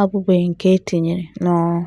abụbeghị nke etinyere n'ọrụ.